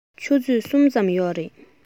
ཆུ ཚོད གསུམ ཙམ ཡོད རེད